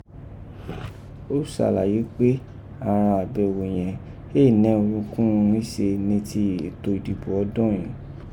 O salaye pe àghan àbẹ̀ghò yẹ̀n éè nẹ́ urunkúnrun í se ni ti eto idibo ọdọ́n yìí.